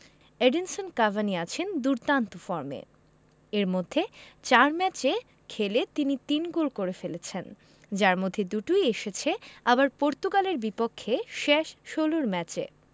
Edinson Cavani আছেন দুর্দান্ত ফর্মে এর মধ্যে ৪ ম্যাচে খেলে তিনি ৩ গোল করে ফেলেছেন তিনি যার মধ্যে দুটোই এসেছে আবার পর্তুগালের বিপক্ষে শেষ ষোলোর ম্যাচে